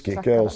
.